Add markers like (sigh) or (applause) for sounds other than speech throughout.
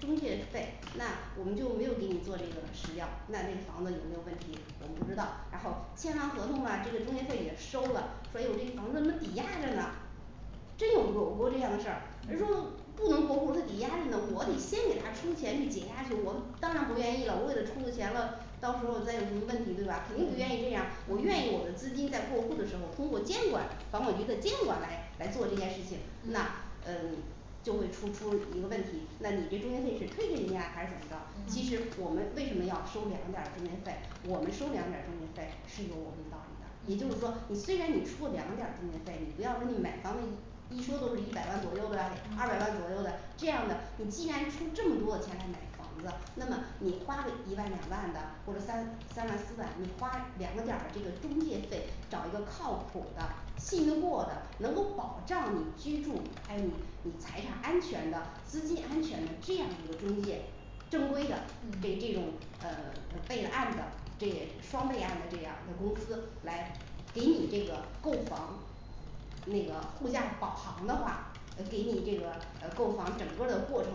中介费，那我们就没有给你做这个史料，那这房子有没有问题我不知道，然后签完合同了这个中介费也收了，所以我这房子怎么抵押着呢真有有过这样的事儿，呃说嗯不能过户这抵押着呢，我得嗯先给她出钱去解押去，我当然不愿意了，我给他出了钱了，到时候再有什么问题对吧？肯定不愿意这样，我愿意我的嗯资金在过户的时候，通过监管房管局的监管来来做这件事情那嗯嗯 (silence) 就会突出一个问题，那你这中介费是退给人家还是怎么着？其实嗯我们为什么要收两个点儿中介费，我们收两个点儿中介费是有我们道理的，也就是说嗯虽然你出了两个点儿中介费，你不要说你买房子你一说都是一百万左右的二百万嗯左右的这样的，你既然出这么多的钱来买房子，那么你花个一万两万的或者三三万四万，你花两个点儿的这个中介费找一个靠谱儿的信得过过的能够保障你居住，还有你你财产安全的资金安全的这样一个中介正规的备嗯这种呃 (silence) 就是备案的这双备案的这样个公司来给你这个购房那个护驾保航的话，呃给你这个呃购房整个儿的过程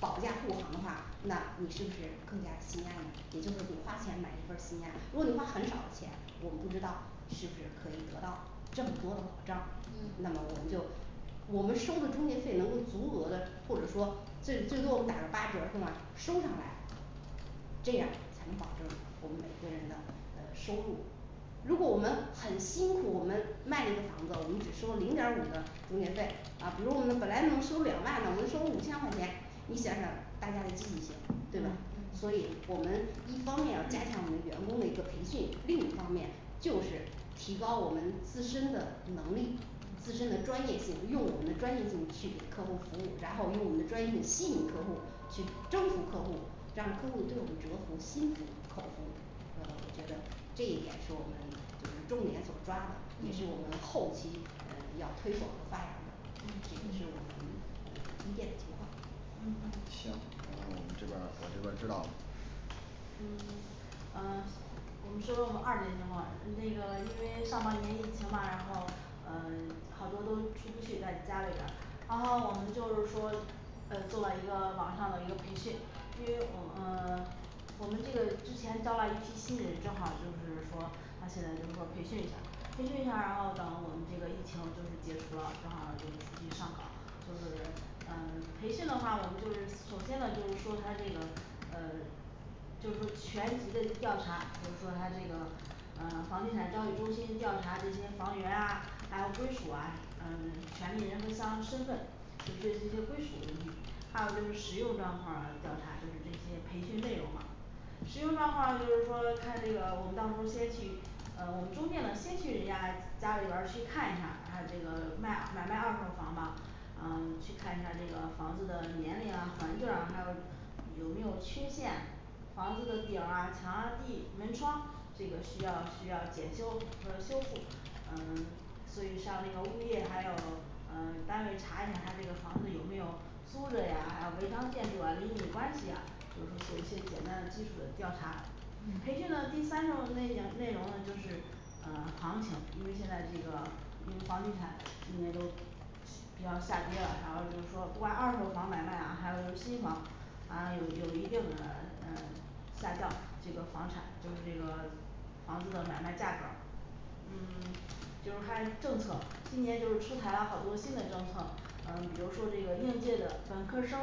保驾护航的话，那你是不是更加心安了，也就是你花钱买一份儿心安，如果你花很少的钱，我不知道是不是可以得到这么多的保障，嗯那么我们就我们收的中介费能足额的，或者说最最多我们打个八折儿送啊收上来，这样才能保证我们每个人的呃收入如果我们很辛苦，我们卖了一个房子，我们只收零点儿五的中介费，啊比如我们本来能收两万了，我就收五千块钱，你想想大家的积极性对吧嗯？嗯所以我们一方面要加强我们员工的一个培训，另一方面就是提高我们自身的能力，嗯自身的专业性，用我们专业性去给客户服务，然后用我们的专业性吸引客户去征服客户，让客户对我们折服心服口服呃我觉得这一点是我们就是重点所抓的，也是我嗯们后期嗯要推广和发扬的，嗯这个是我嗯们呃一店的情况嗯嗯行，那么我们这边儿我这边儿知道了嗯 (silence) 呃我们说说我们二店情况，那个因为上半年疫情嘛，然后呃好多都出不去在家里边儿，然后我们就是说呃做了一个网上的一个培训，因为嗯呃 (silence) 我们这个之前招啦一批新人，正好就是说他现在就是说培训一下儿，培训一下儿，然后等我们这个疫情就是解除了，正好儿就出去上岗就是 (silence) 呃 (silence) 培训的话我们就是首先呢就是说他这个呃 (silence) 就是说全局的调查，比如说他这个呃房地产交易中心调查这些房源啊，还有归属啊呃 (silence) 权利人和相应身份就涉及些归属问题，还有就是使用状况调查就是这些培训内容嘛使用状况就是说看这个我们到时候先去呃我们中介嘛先去人家家里边儿去看一看他这个卖买卖二手房嘛呃去看一下这个房子的年龄啊环境儿啊还有有没有缺陷，房子的顶儿啊墙啊地门窗这个需要需要检修和修复嗯 (silence) 所以像那个物业还有呃单位查一查他这个房子有没有租着呀，还有违章建筑啊，邻里关系呀就是说做一些简单的基础的调查培训嗯的第三种类型内容呢就是呃行情，因为现在这个因为房地产今年都是比较下跌了，还有就是说不管二手房买卖啊还有就新房然后有有一定的 (silence) 呃下降，这个房产就是这个 (silence) 房子的买卖价格儿嗯 (silence) 就是看政策，今年就是出台了好多新的政策，呃比如说这个应届的本科儿生，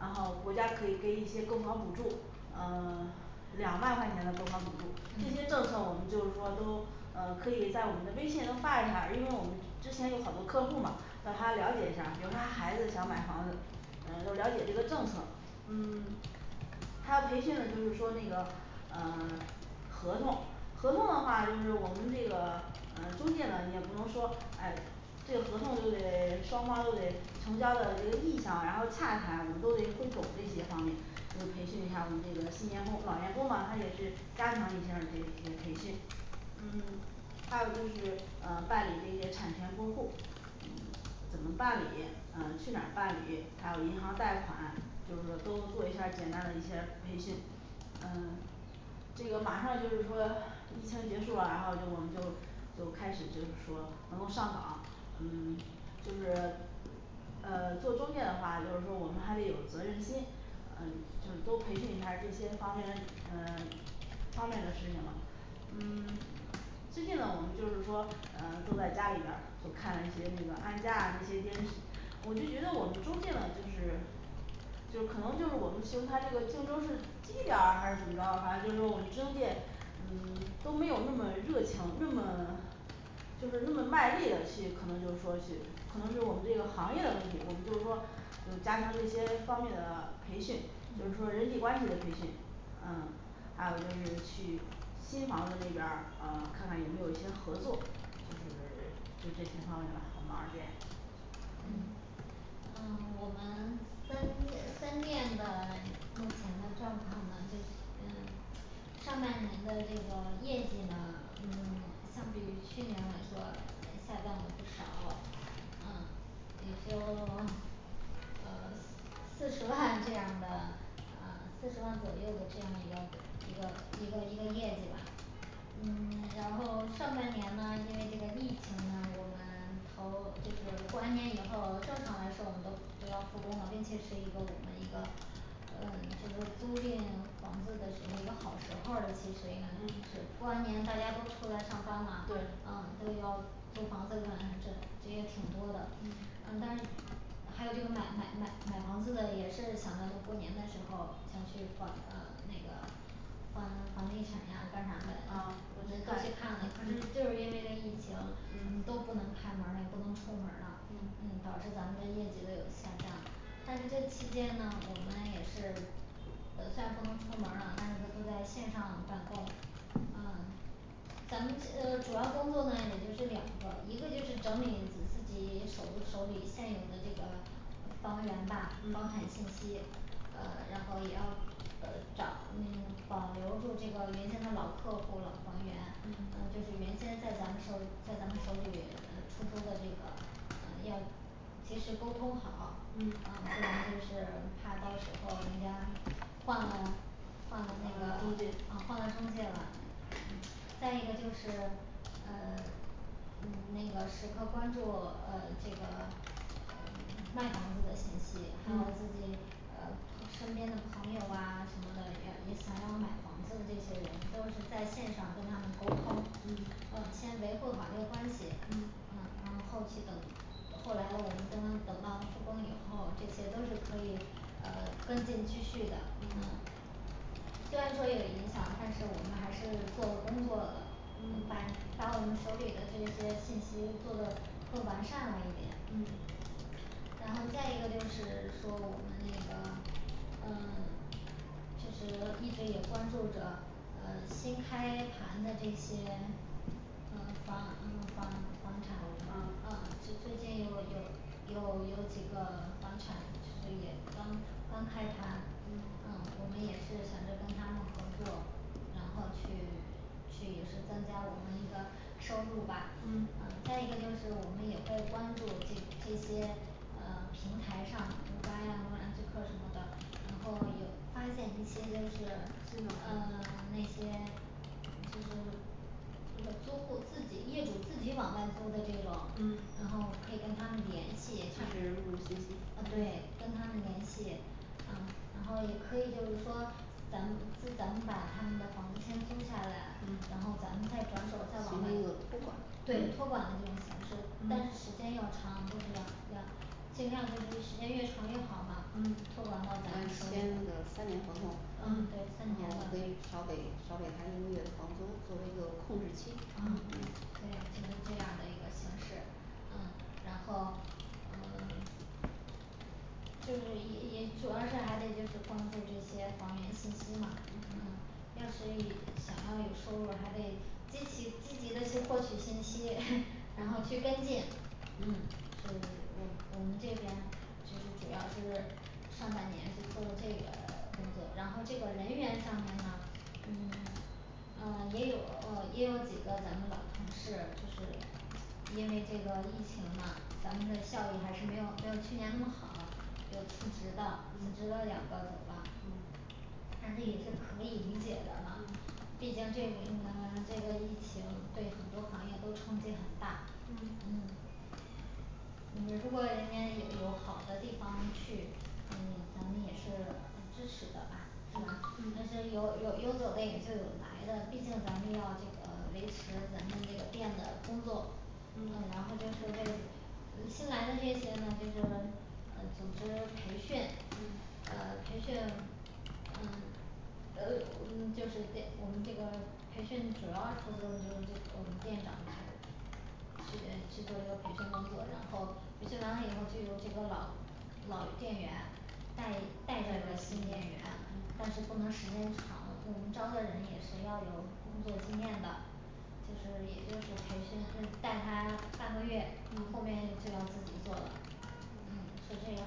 然后国家可以给予一些购房补助呃 (silence) 两万块钱的购房补助，这些嗯政策我们就是说都呃可以在我们的微信能发一下，因为我们之前有好多客户嘛让他了解一下儿，比如说他孩子想买房子嗯都了解这个政策，嗯 (silence) 他要培训的就是说那个呃 (silence) 合同合同的话，就是我们这个呃中介呢你也不能说哎这合同就得 (silence) 双方都得成交的这个意向，然后洽谈，我们都得会懂这些方面就是培训一下我们这个新员工老员工嘛，他也是加强一下儿这这些培训，嗯还有就是呃办理这些产权过户儿嗯怎么办理呃去哪儿办理，还有银行贷款，就是说都做一下儿简单的一些培训呃这个马上就是说疫情结束了，然后就我们就 (crosstalk) 就开始就是说能够上岗，嗯 (silence) 就是呃做中介的话，就是说我们还得有责任心嗯就是多培训一下儿这些方面嘞嗯 (silence) 方面的事情了嗯 (silence) 最近呢我们就是说呃坐在家里边儿所看了一些那个安家啊那些电视， (crosstalk) 我就觉得我们中介呢就是就是可能就是我们邢台这个竞争是低点儿啊还是怎么着的，反正就是说我们中介嗯 (silence) 都没有那么热情那么 (silence) 就是那么卖力的去可能就是说去，可能就是我们这个行业的问题，我们就是说就加强这些方面的培训，就是嗯说人际关系的培训嗯还有去新房子那边儿呃看看有没有些合作，就是 (silence) 就这些方面我们二店嗯嗯嗯我们三 (silence) 三店的 (silence) 目前的状况呢就嗯 (crosstalk) 上半年的这个业绩呢嗯相比于去年来说下降了不少嗯也就 (silence) (noise) 呃四十万 (noise) 这样儿的呃四十万左右的这样儿一个一个一个一个业绩吧嗯 (silence) 然后上半年呢因为这个疫情呢，我们头就是过完年以后，正常来说我们都都要复工了，并且是一个我们一个呃 (silence) 就是租赁房子的时候一个好时候儿了，其实应该是过完年大家都出来上班啦对嗯，都要租房子嘛，啊这这也挺多的。嗯啊但是还有这个买买买买房子的也是想着他们过年的时候想去房呃那个房房地产呀干啥嘞啊，有的都都去去看看了，可是就是因为这疫情嗯都嗯不能开门儿了，也不能出门儿了，嗯嗯导致咱们的业绩都有下降但是这期间呢我们也是呃虽然不能出门儿了，但是都都在线上办公啊咱们的呃主要工作呢也就是两个，一个就是整理自自己手手里现有的这个 (crosstalk) 呃房源吧房产嗯信息，然后也要呃找那保留住这个原先的老客户老房源。嗯嗯就是原先在咱们手在咱们手里呃出租的这个，呃要及时沟通好，啊嗯不然就是怕到时候人家换了换呃了那个中介啊换了中介了。再一个就是呃 (silence) 嗯那个时刻关注呃这个卖房子的信息，还有嗯自己呃朋 (unintelligible) 身边的朋友啊什么的，也要也想要买房子的这些人都是在线上跟他们沟通嗯，呃先维护好这个关系，呃然后后期等后来了我们等等到复工以后，这些都是可以呃跟进继续的嗯嗯虽然说有影响，但是我们还是做了工作的，把嗯把我们手里的这些信息做的更完善了一点嗯然后再一个就是 (silence) 说我们那个嗯 (silence) 就是一直也关注着嗯新开盘的这些呃房呃房房产呃呃呃，就最近有有有有几个房产就是也刚刚开盘，嗯啊我们也是想着跟他们合作然后去 (silence) 去也是增加我们一个收入吧嗯呃，再一个就是我们也会关注这这些呃平台上五八呀或者安居客什么的然后有发现一些就是新的客呃户 (silence) 那些嗯就是就是租户自己业主自己往外租的这种，嗯然后可以跟他们联系及时录入信息啊对嗯跟他们联系嗯然后也可以就是说咱们自咱们把他们的房子先租下来，嗯然后咱们再转手再往外以这个托租管对托管的这种形式，但是嗯时间要长都是两两尽量的就是时间越长越好了嗯，托管到嗯咱们手里签嗯这个对三三年年的合同，嗯对，就是这然后可以少给少给他一个月的房租作为一个控制期嗯嗯嗯样的一个形式。然后嗯 (silence) 就是也也主要是还得就是关注这些房源信息嘛嗯嗯，要是以想要有收入，还得积其积极地去获取信息， (noise) 然后去嗯跟进。是嗯我我们这边这是主要是上半年是做这个 (silence) 工作，然后这个人员上面呢嗯 (silence) 也有呃也有几个咱们老同事就是因为这个疫情嘛，咱们的效益还是没有没有去年那么好，有辞职的辞职的两个走啦但是也是可以理解的嘛嗯，毕竟这呃 (silence) 这个疫情对很多行业都冲击很大嗯嗯你如果人家有有好的地方去，诶咱们也是呃支持的吧是嗯吧？但嗯是有有有走的也就有来的，毕竟咱们要这个维持咱们这个店的工作嗯嗯然后就是为嗯新来的这些呢这个呃组织培训嗯呃培训嗯呃嗯就是对我们这个培训主要部分就是这我们店长她去呃去做培训工作，然后培训完了以后就由这个老老店员带带这个新店嗯员，但嗯嗯是不能时间长，我们招的人也是要有工作经验的就是也就是培训带他半个月，啊后嗯面就要自己做了，嗯是这样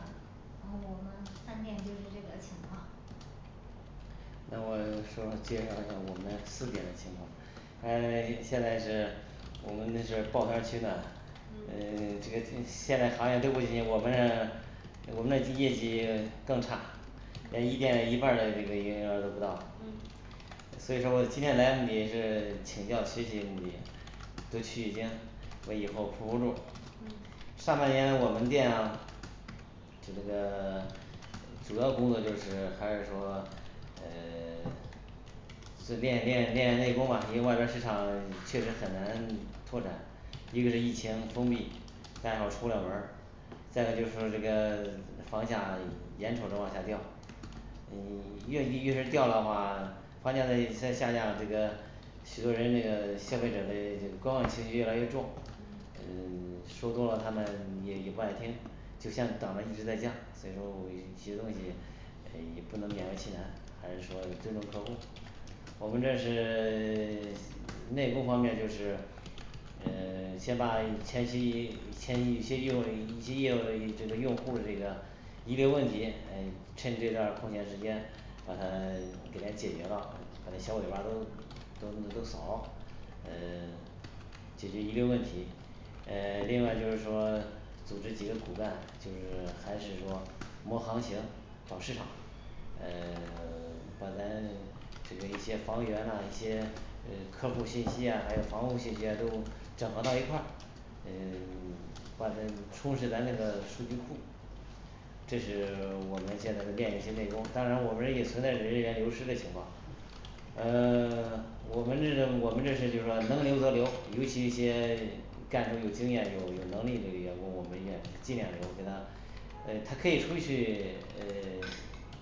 然后我们三店就是这个情况那我 (silence) 说介绍一下我们四店的情况，呃 (silence) 现在是我们呢是抱团取暖，嗯嗯 (silence) 这个现现在行业都不行，我们我们的业绩更差&嗯&连一店的一半儿的这个营业额儿都不到嗯。所以说我今天来目的是请教学习目的多取取经为以后铺铺路嗯上半年我们店就这个 (silence) 主要工作就是还是说呃 (silence) 是练练练内功吧，因为外边儿市场确实很难 (silence) 拓展，一个是疫情封闭，再有出不了门儿再一个就是说这个 (silence) 房价 (silence) 眼瞅着往下掉，呃你 (silence) 越低越是掉的话，房价在在下降这个许多人这个 (silence) 消费者嘞这个观望情绪越来越重&嗯&嗯， (silence) 说多了他们 (silence) 也也不爱听，就像等着一直在降，所以说我一些东西呃也不能勉为其难，还是说尊重客户我们这是 (silence) 内部方面就是，呃 (silence) 先把前期前有些业为以及业为这个用户儿这个遗留问题诶，趁这段空闲时间把它 (silence) 给它解决了，把那小尾巴都都都扫了。呃 (silence) 解决遗留问题呃另外就是说 (silence) 组织几个骨干，就是 (silence) 还是说摸行情找市场呃 (silence) 把咱 (silence) 这个一些房源呐一些呃客户信息啊，还有房屋信息啊都整合到一块，嗯 (silence) 把它充实咱那个数据库这是 (silence) 我们现在练的一些内功，当然我们这也存在人员流失的情况呃 (silence) 我们这是我们这是就是说能留则留，尤其一些 (silence) 干的有经验有有能力的员工，我们也尽量留给他，呃他可以出去 (silence) 呃 (silence)